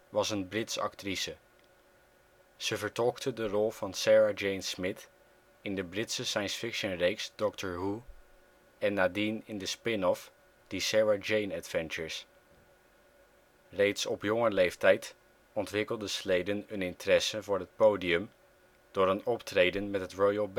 was een Brits actrice. Ze vertolkte de rol van Sarah Jane Smith in de Britse sciencefictionreeks Doctor Who en nadien in de spin-off The Sarah Jane Adventures. Reeds op jonge leeftijd ontwikkelde Sladen een interesse voor het podium door een optreden met het Royal